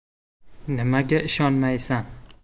nimaga ishonmaysan